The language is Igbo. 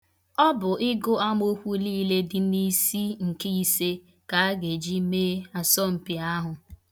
Ọ bụ ịgụ amookwu nille dị n' isi nke ise ka a ga-eji mee asọmpi ahụ.